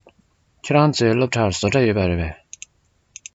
ཁྱོད རང ཚོའི སློབ གྲྭར བཟོ གྲྭ ཡོད རེད པས